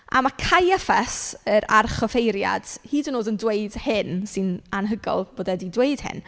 A mae Caiaffas yr archoffeiriad hyd yn oed yn dweud hyn, sy'n anhygoel bod e 'di dweud hyn.